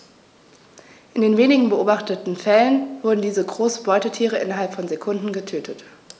In den wenigen beobachteten Fällen wurden diese großen Beutetiere innerhalb von Sekunden getötet.